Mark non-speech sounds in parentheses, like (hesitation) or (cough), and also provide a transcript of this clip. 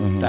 (hesitation) (hesitation)